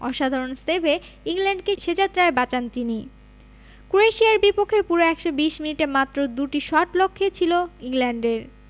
অসাধারণ সেভে ইংল্যান্ডকে সে যাত্রা বাঁচান তিনি ক্রোয়েশিয়ার বিপক্ষে পুরো ১২০ মিনিটে মাত্র দুটি শট লক্ষ্যে ছিল ইংল্যান্ডের